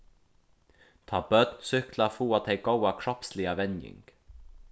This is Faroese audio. tá børn súkkla fáa tey góða kropsliga venjing